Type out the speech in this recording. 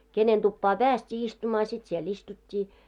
kenen tupaan päästiin istumaan sit siellä istuttiin